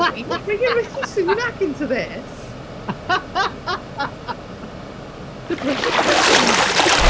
Strange bringing Rishi Sunak into this The British Government? Heck.